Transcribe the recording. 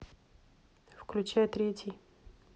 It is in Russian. включай третий